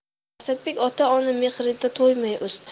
asadbek ota ona mehriga to'ymay o'sdi